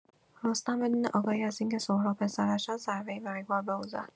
رستم بدون آگاهی از اینکه سهراب پسرش است، ضربه‌ای مرگبار به او زد.